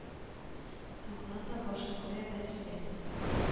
Тукран да башын кая бәрергә